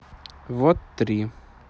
вот три